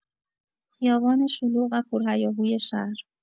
خیابان شلوغ و پرهیاهوی شهر